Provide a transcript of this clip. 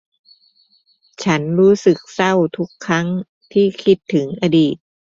ฉันรู้สึกเศร้าทุกครั้งที่คิดถึงอดีต